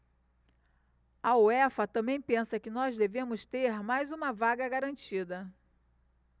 a uefa também pensa que nós devemos ter mais uma vaga garantida